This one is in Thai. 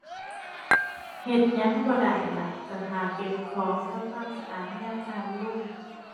เฮ็ดหยังบ่ได้ล่ะ จะท่าเก็บของทำความสะอาดยามน้ำลง